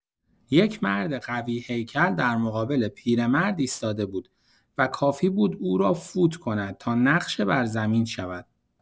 یک مرد قوی‌هیکل در مقابل پیرمرد ایستاده بود و کافی بود او را فوت کند تا نقش بر زمین شود.